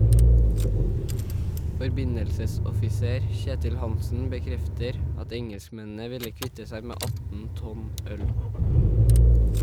Forbindelsesoffiser Kjetil Hanssen bekrefter at engelskmennene ville kvitte seg med 18 tonn øl.